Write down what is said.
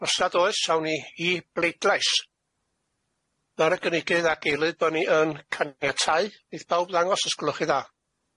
Os nad oes awn ni i bleidlais, ar y gynigydd ag eilydd bo' ni yn caniatáu, neith pawb ddangos os gwelwch chi dda?